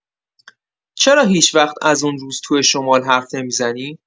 چرا هیچ‌وقت از اون روز توی شمال حرف نمی‌زنی؟